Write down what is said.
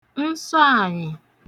nsọ ànyị̀